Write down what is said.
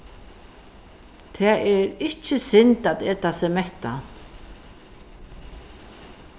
tað er ikki synd at eta seg mettan